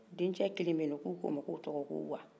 dencɛ kelen bɛye nɔn k'o tɔgɔ ko wa